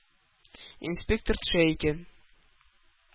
Инспектор төшә икән.